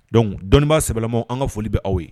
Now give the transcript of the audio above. Dɔnc dɔnnibaa sɛbɛlama an ka foli bɛ aw ye